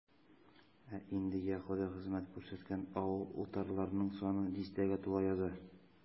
Ә инде Яһүдә хезмәт күрсәткән авыл-утарларның саны дистәгә тула яза.